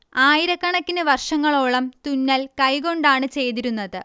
ആയിരക്കണക്കിന് വർഷങ്ങളോളം തുന്നൽ കൈകൊണ്ടാണ് ചെയ്തിരുന്നത്